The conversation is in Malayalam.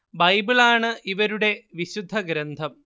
ബൈബിൾ ആണ് ഇവരുടെ വിശുദ്ധ ഗ്രന്ഥം